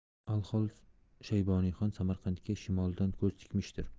alhol shayboniyxon samarqandga shimoldan ko'z tikmishdir